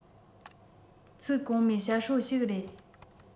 ཚིག གོང མའི བཤད སྲོལ ཞིག རེད